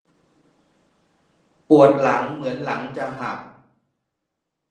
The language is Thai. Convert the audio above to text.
ปวดหลังเหมือนหลังจะหัก